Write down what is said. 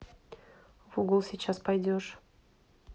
в угол сейчас пойдешь